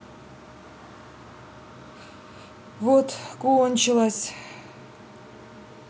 вот кончилось